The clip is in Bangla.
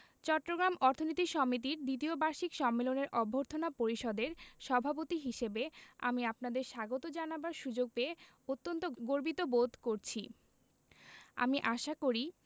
চট্টগ্রাম অর্থনীতি সমিতির দ্বিতীয় বার্ষিক সম্মেলনের অভ্যর্থনা পরিষদের সভাপতি হিসেবে আমি আপনাদের স্বাগত জানাবার সুযোগ পেয়ে অত্যন্ত গর্বিত বোধ করছি আমি আশা করি